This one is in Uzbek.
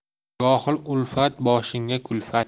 johil ulfat boshingga kulfat